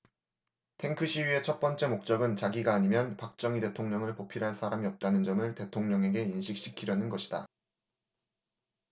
탱크 시위의 첫 번째 목적은 자기가 아니면 박정희 대통령을 보필할 사람이 없다는 점을 대통령에게 인식시키려는 것이다